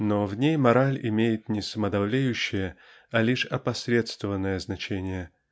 но в ней мораль имеет не самодовлеющее а лишь опосредствованное значение